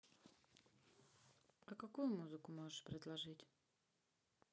а какую музыку можешь предложить